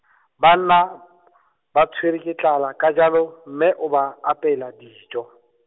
banna, ba tshwerwa ke tlala, ka jalo, mme o ba apeela, dijo.